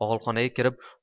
og'ilxonaga kirib